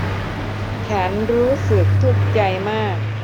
ฉันรู้สึกทุกข์ใจมาก